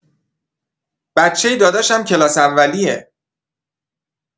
بچه داداشم کلاس اولیه.